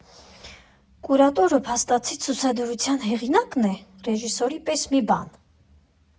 Կուրատորը փաստացի ցուցադրության հեղինա՞կն է, ռեժիսորի պես մի բա՞ն։